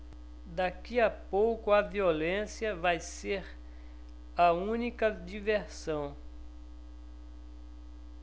daqui a pouco a violência vai ser a única diversão